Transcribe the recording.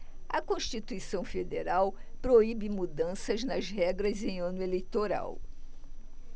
a constituição federal proíbe mudanças nas regras em ano eleitoral